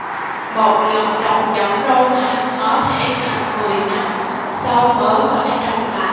một lần trồng giống rau má có thể gần mười năm sau mới phải trồng lại